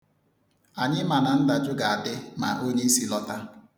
Anyị ma na ndajụ ga-adị ma onyeisi lọta.